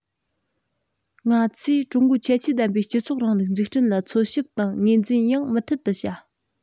ང ཚོས ཀྲུང གོའི ཁྱད ཆོས ལྡན པའི སྤྱི ཚོགས རིང ལུགས འཛུགས སྐྲུན ལ འཚོལ ཞིབ དང ངོས འཛིན ཡང མུ མཐུད བྱ